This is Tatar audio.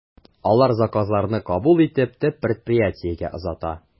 Алар заказларны кабул итеп, төп предприятиегә озата.